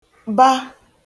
-ba